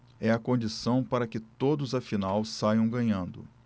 é a condição para que todos afinal saiam ganhando